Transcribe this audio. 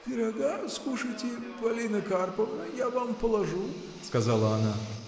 — Пирога скушайте, Полина Карповна, — я вам положу! — сказала она.